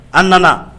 A nana